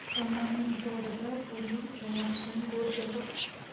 yomonning to'rida bo'lguncha yaxshining go'rida bo'l